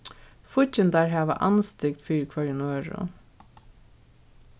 fíggindar hava andstygd fyri hvørjum øðrum